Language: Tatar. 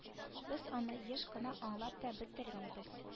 Без аны еш кына аңлап та бетермибез